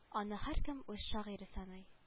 Аны һәркем үз шагыйре саный